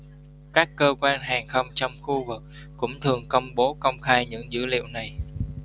các cơ quan hàng không trong khu vực cũng thường công bố công khai những dữ liệu này